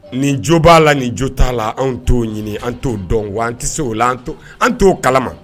Ni jo b'a la ni jo t'a la an t'o ɲini an t'o dɔn wa an tɛ se o la an an t'o kalama